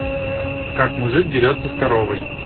как мужик дерется с коровой